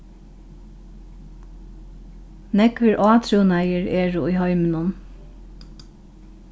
nógvir átrúnaðir eru í heiminum